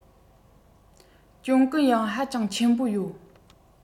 གྱོང གུན ཡང ཧ ཅང ཆེན པོ ཡོད